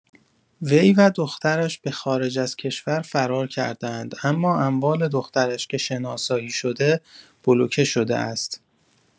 وی و دخترش به خارج از کشور فرار کرده‌اند اما اموال دخترش که شناسایی‌شده، بلوکه شده است.